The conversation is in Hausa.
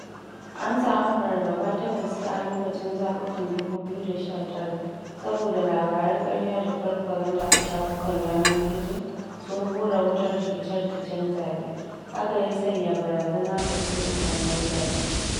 An samu fargaba ta gaske a lokacin zaɓukan 2019 saboda labaran ƙarya da farfaganda a shafukan yanar gizo sun hura wutar rikice-rikicen zaɓe hakan ya sanya "barazana ga sulhu bayan zaɓe".